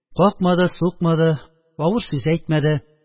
Какмады, сукмады, авыр сүз әйтмәде